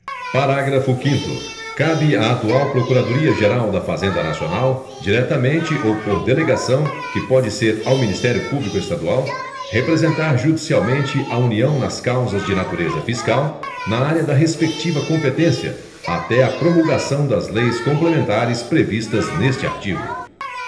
parágrafo quinto cabe à atual procuradoria geral da fazenda nacional diretamente ou por delegação que pode ser ao ministério público estadual representar judicialmente a união nas causas de natureza fiscal na área da respectiva competência até a promulgação das leis complementares previstas neste artigo